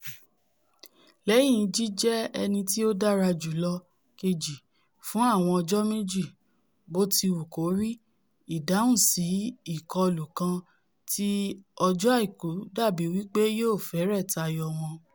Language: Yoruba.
Lẹ́yìn jíjẹ́ ẹnití ó dára júlọ kejì fún àwọn ọjọ́ méjì, botiwukori, ìdáhùnsí-ikọlù kan tí ọjọ́ Àìkú dàbí wí pé yóò fẹ́rẹ̀ tayọ wọn.